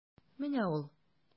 Менә ул.